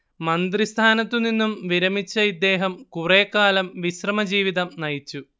മന്ത്രിസ്ഥാനത്തുനിന്നും വിരമിച്ച ഇദ്ദേഹം കുറേക്കാലം വിശ്രമജീവിതം നയിച്ചു